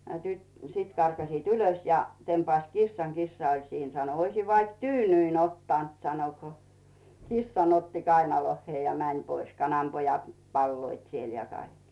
ja - sitten karkasivat ylös ja tempaisivat kissan kissa oli siinä sanoi olisi vaikka tyynyn ottanut sanoi kun kissan otti kainaloihinsa ja meni pois kananpojat paloivat siellä ja kaikki